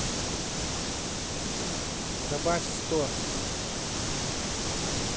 добавь сто